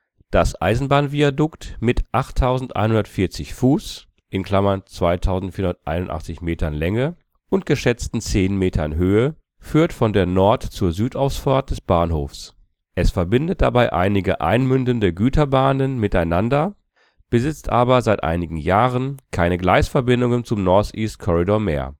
Das Eisenbahnviadukt mit 8140 Fuß (2481 Metern) Länge und geschätzten zehn Metern Höhe führt von der Nord - zur Südausfahrt des Bahnhofs. Es verbindet dabei einige „ einmündende “Güterbahnen miteinander, besitzt aber seit einigen Jahren keine Gleisverbindungen zum Northeast Corridor mehr